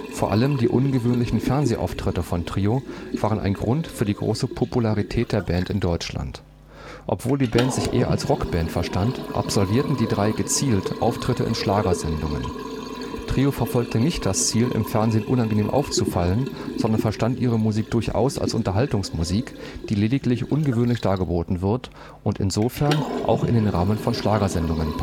Vor allem die ungewöhnlichen Fernsehauftritte von Trio waren ein Grund für die große Popularität der Band in Deutschland. Obwohl die Band sich eher als Rockband verstand, absolvierten die Drei gezielt Auftritte in Schlagersendungen. Trio verfolgte nicht das Ziel, in Fernsehsendungen unangenehm aufzufallen, sondern verstand ihre Musik durchaus als Unterhaltungsmusik, die lediglich ungewöhnlich dargeboten wird und insofern auch in den Rahmen von Schlagersendungen